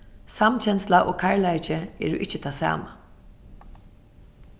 samkensla og kærleiki eru ikki tað sama